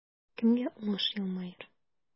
Кемгә уңыш елмаер?